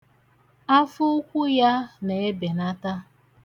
Afọ ukwu ya na-ebenata.